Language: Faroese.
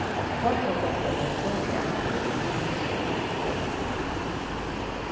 fólkaflokkurin fekk fleiri atkvøður enn hinir flokkarnir